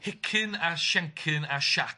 'Hicin a Siencin a Siac.'